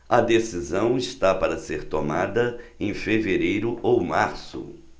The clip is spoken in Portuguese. a decisão está para ser tomada em fevereiro ou março